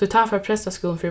tí tá fór prestaskúlin fyri